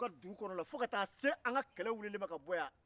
aa e ni hɛrɛ tɛ dunuya kɔnɔ dɛ